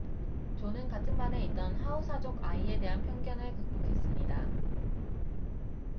존은 같은 반에 있던 하우사족 아이에 대한 편견을 극복했습니다